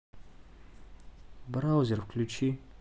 браузер включи